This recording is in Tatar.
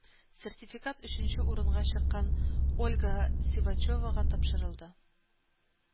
Сертификат өченче урынга чыккан ольга сивачевага тапшырылды